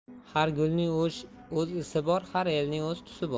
har gulning o'z isi bor har elning o'z tusi bor